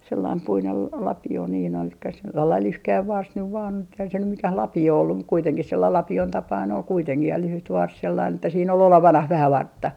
sellainen puinen - lapio niin oli sellainen lyhkäinen varsi nyt vain eihän se nyt mikään lapio ollut mutta kuitenkin sellainen lapion tapainen oli kuitenkin ja lyhyt varsi sellainen että siinä oli olevinaan vähän vartta